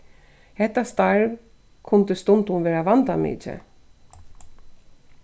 hetta starv kundi stundum vera vandamikið